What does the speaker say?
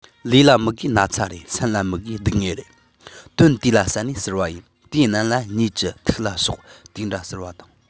ལུས ལ མི དགོས ན ཚ རེད སེམས ལ མི དགོས སྡུག བསྔལ རེད དོན དེ ལ བསམས ནས ཟེར བ ཡིན དེ རྣམས པ གཉིས ཀྱི ཐུགས ལ ཞོགས དེ འདྲ ཟེར བ དང